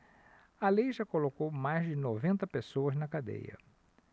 a lei já colocou mais de noventa pessoas na cadeia